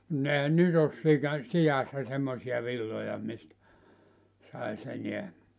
mutta eihän nyt ole - siassa semmoisia villoja mistä saisi enää